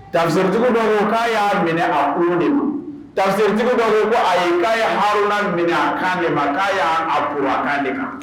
Taritigiw'a y'a minɛ a de ma a k'a ye haruna minɛ a'a de ma'a y'a auran de ma